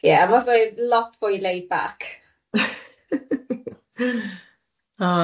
Ie a ma fe lot fwy laid back.